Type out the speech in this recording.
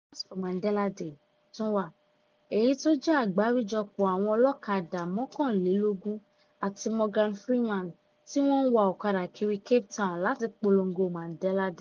“Bikers for Mandela Day” tún wà – èyí tó jẹ́ àgbáríjọpọ̀ àwọn ọlọ́kadà 21 (àti Morgan Freeman) tí wọ́n ń wá ọ̀kadà kiri Cape Town láti polongo Mandela Day.